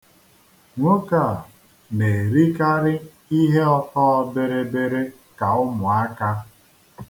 Nwoke a na-erikarị ihe ọtọbịrịbịrị ka ụmụaka.